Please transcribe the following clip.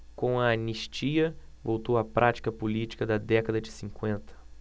com a anistia voltou a prática política da década de cinquenta